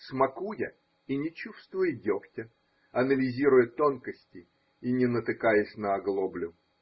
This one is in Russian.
смакуя и не чувствуя дегтя, анализируя тонкости и не натыкаясь на оглоблю.